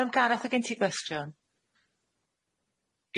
Yym Gareth o' gen ti gwestiwn?